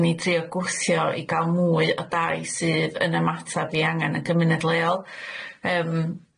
i ni drio gwsio i ga'l mwy o daith sydd yn ymatab i angan y gymuned leol yym.